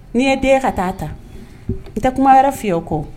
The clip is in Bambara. N'i ye den ye e ka taa ta n tɛ kuma wɛrɛ f'i ye o kɔ